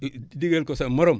digal ko sa moroom